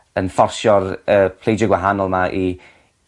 yn ffosio'r y pleidie gwahanol 'ma i